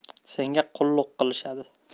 senga qulluq qilishadi